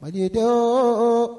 Ayi dɛ